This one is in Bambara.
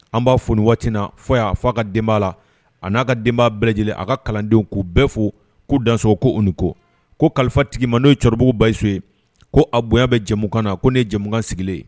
An b'a fɔoni waati na fɔ y'a fɔ' a ka denbaya' la a n'a ka denbaya bɛɛ lajɛlen a ka kalandenw k'u bɛɛ fo ko danso ko u ni ko ko kalifa tigi ma n'o ye cɛkɔrɔbaurubugu basiso ye ko a bonya bɛ jɛmu kan na ko ne jamumukan sigilen ye